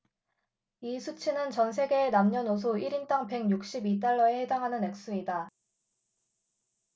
이 수치는 전 세계의 남녀노소 일 인당 백 육십 이 달러에 해당하는 액수이다